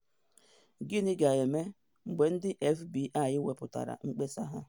Gịnị ga-eme mgbe ndị FBI weputere mkpesa ya?